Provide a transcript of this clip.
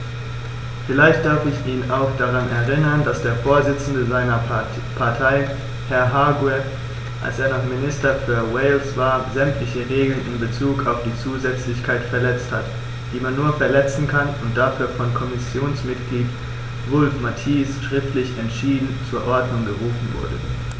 Vielleicht darf ich ihn auch daran erinnern, dass der Vorsitzende seiner Partei, Herr Hague, als er noch Minister für Wales war, sämtliche Regeln in bezug auf die Zusätzlichkeit verletzt hat, die man nur verletzen kann, und dafür von Kommissionsmitglied Wulf-Mathies schriftlich entschieden zur Ordnung gerufen wurde.